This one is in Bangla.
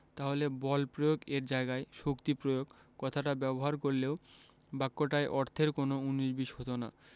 তাহলে বল প্রয়োগ এর জায়গায় শক্তি প্রয়োগ কথাটা ব্যবহার করলেও বাক্যটায় অর্থের কোনো উনিশ বিশ হতো না